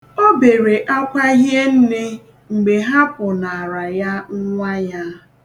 O bere akwa hie nne mgbe ha pụnaara ya nwa ya.